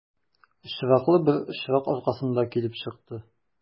Очраклы бер очрак аркасында килеп чыкты.